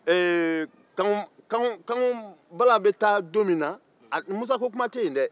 ɛɛ kanku kanku bala bɛ taa don min na musa ko kuma tɛ yen dɛ